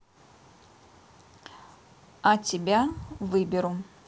а тебя выберу